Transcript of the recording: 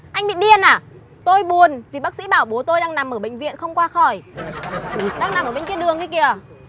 anh bị điên à tôi buồn vì bác sĩ bảo bố tôi đang nằm ở bệnh viện không qua khỏi đang nằm ở bên kia đường kia kìa